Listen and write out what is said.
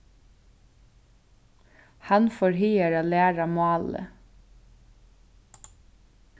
hann fór hagar at læra málið